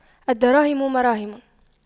الدراهم مراهم